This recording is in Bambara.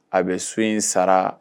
A bɛ so in sara